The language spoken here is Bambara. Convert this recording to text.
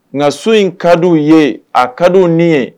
Ŋa so in ka d'u ye a kadi u ni ye